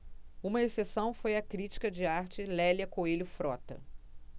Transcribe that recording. uma exceção foi a crítica de arte lélia coelho frota